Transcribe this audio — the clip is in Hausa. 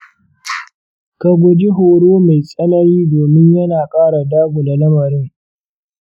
ka guji horo mai tsanani domin yana kara dagula lamarin.